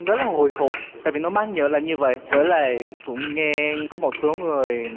rất là hồi hộp tại vì nó mang nghĩa là như vậy với lại cũng nghe có một số người